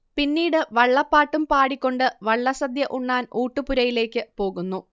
പിന്നീട് വള്ളപ്പാട്ടും പാടിക്കൊണ്ട് വള്ളസദ്യ ഉണ്ണാൻ ഊട്ടുപുരയിലേയ്ക്ക് പോകുന്നു